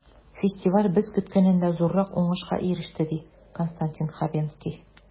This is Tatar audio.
Фестиваль без көткәннән дә зуррак уңышка иреште, ди Константин Хабенский.